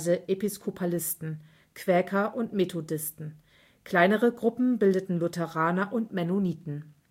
Episkopalisten), Quäker und Methodisten. Kleinere Gruppen bildeten Lutheraner und Mennoniten